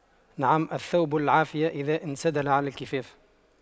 نعم الثوب العافية إذا انسدل على الكفاف